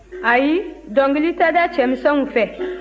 ayi dɔnkili tɛ da cɛmisɛnw fɛ